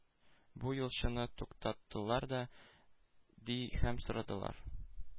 Бу юлчыны туктаттылар да, ди, һәм сорадылар